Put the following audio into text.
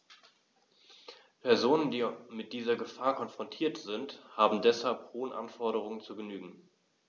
Personen, die mit dieser Gefahr konfrontiert sind, haben deshalb hohen Anforderungen zu genügen.